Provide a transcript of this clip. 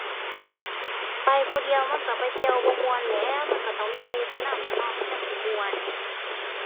ไปผู้เดียวมันก็ไปเที่ยวบ่ม่วนแหล้ว มันก็ต้องมีหมู่ไปนำแหล้วเนาะ มันจั่งสิม่วน